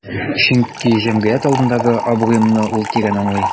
Чөнки җәмгыять алдындагы абруемны ул тирән аңлый.